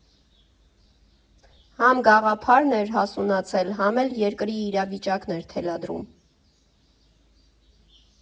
Համ գաղափարն էր հասունացել, համ էլ երկրի իրավիճակն էր թելադրում։